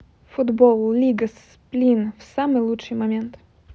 футбол лига сплин в самый лучший момент